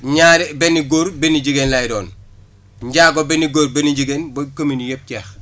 ñaari benn góor benn jigéen lay doon Ndiago benn góor benn jigéen ba communes yi yëpp jeex